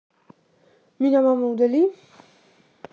меня мама удали